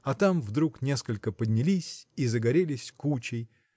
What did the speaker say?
а там вдруг несколько поднялись и загорелись кучей